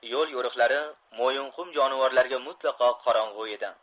yo'l yo'riqlari mo'yinqum jonivorlariga mutlaqo qorong'u edi